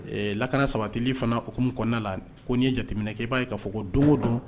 Ee lakana sabatili fana hokumu kɔɔna la ko n'i ye jateminɛ kɛ i b'a ye ka fɔ ko doŋo don